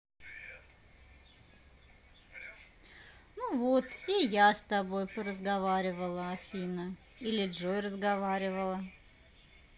ну вот и я с тобой поразговаривала афина или джой разговаривала